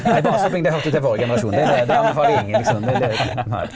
nei basehopping det høyrde til førre generasjon det det anbefaler eg ingen liksom det det.